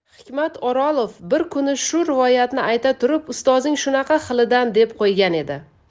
hikmat o'rolov bir kuni shu rivoyatni ayta turib ustozing shunaqa xilidan deb qo'ygan edi